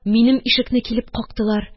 Минем ишекне килеп кактылар